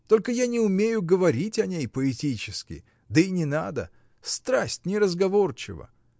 Только я не умею говорить о ней поэтически, да и не надо. Страсть — неразговорчива.